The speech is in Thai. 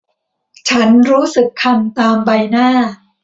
ฉันรู้สึกคันตามใบหน้า